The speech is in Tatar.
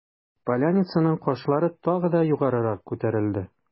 Поляницаның кашлары тагы да югарырак күтәрелде.